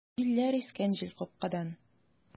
Җилләр искән җилкапкадан!